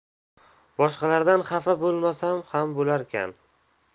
boshqalardan xafa bo'lmasam ham bo'larkan